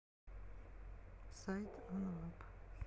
сайт анвап